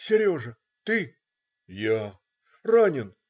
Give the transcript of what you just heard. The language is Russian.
"Сережа, ты?!" - "Я!" - "Ранен?